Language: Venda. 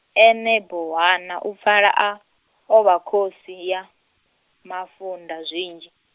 ene Bohwana u pfala a-, o vha khosi ya, mafunda zwinzhi.